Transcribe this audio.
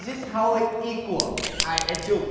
dít hau i của ai en trung